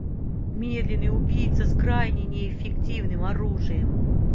медленный убийца с крайне неэффективным оружием